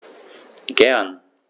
Gern.